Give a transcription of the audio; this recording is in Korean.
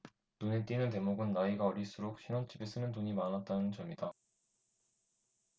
눈에 띄는 대목은 나이가 어릴수록 신혼집에 쓰는 돈이 많았다는 점이다